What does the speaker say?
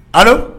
A